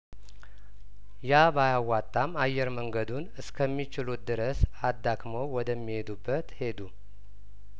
ያባ ያዋጣም አየር መንገዱን እስከሚችሉት ድረስ አዳክመው ወደሚ ሄዱበት ሄዱ